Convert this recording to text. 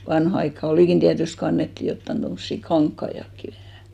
vanhaan aikaan olikin tietysti kun annettiin jotakin tuommoisia kankaitakin vähän